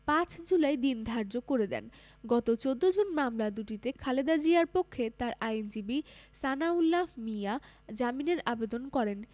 ৫ July দিন ধার্য করে দেন গত ১৪ জুন মামলা দুটিতে খালেদা জিয়ার পক্ষে তার আইনজীবী সানাউল্লাহ মিয়া জামিনের আবেদন করেন